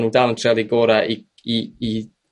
n'w dal yn trial i gore i, i, i